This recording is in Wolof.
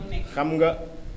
xam nga